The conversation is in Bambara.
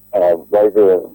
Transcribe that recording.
A baasi rɔ